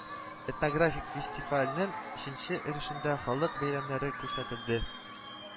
Этнографик фестивальнең өченче өлешендә халык бәйрәмнәре күрсәтелде